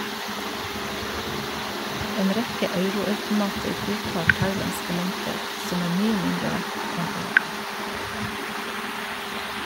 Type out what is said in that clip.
En rekke euro-automater godtar thailandske mynter , som er mye mindre verdt enn euroen.